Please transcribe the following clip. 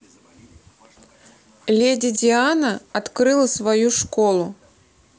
леди диана открыла свою школу